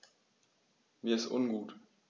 Mir ist ungut.